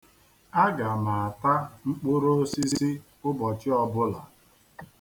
Aga m na-ata mkpụrụosisi ụbọchị ọbụla.